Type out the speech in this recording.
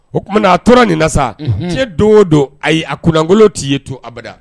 O kumana a tora nin na sa diɲɛ don o don. Ayi a kun lankolon ti ye tun abada.